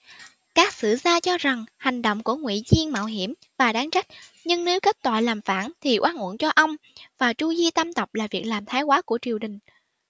các sử gia cho rằng hành động của ngụy diên mạo hiểm và đáng trách nhưng nếu kết tội làm phản thì oan uổng cho ông và tru di tam tộc là việc làm thái quá của triều đình